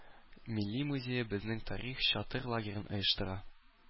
Милли музее Безнең тарих чатыр лагерен оештыра.